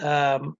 yym